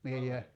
kaveria